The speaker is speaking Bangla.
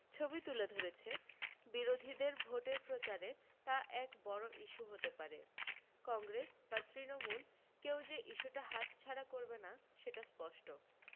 ছবি তুলে ধরেছে বিরোধীদের ভোটের প্রচারে তা এক বড় ইস্যু হতে পারে কংগ্রেস বা তৃণমূল কেউ যে ইস্যুটা হাতছাড়া করবে না সেটা স্পস্ট